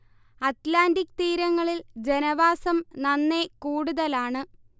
Atlantic തീരങ്ങളിൽ ജനവാസം നന്നെ കൂടുതലാണ്